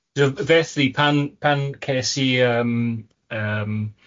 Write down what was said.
So felly, pan pan ces i'r yym yym